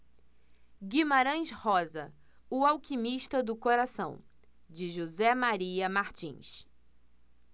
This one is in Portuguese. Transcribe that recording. guimarães rosa o alquimista do coração de josé maria martins